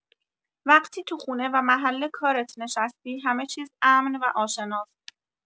وقتی تو خونه و محل کارت نشستی، همه‌چیز امن و آشناست.